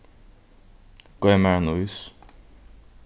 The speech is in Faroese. goym mær ein ís